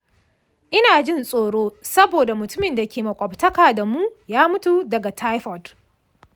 ina jin tsoro saboda mutumin da ke makwabtaka da mu ya mutu daga taifoid.